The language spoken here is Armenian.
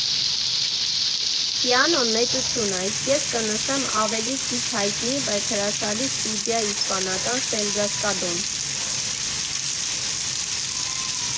Պիանոն մեծություն ա, իսկ ես կնշեմ ավելի քիչ հայտնի, բայց հրաշալի ստուդիա՝ իսպանական Սելգասկադոն։